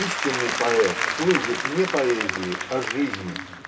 Истинный поэт служит не поэзии, а жизни.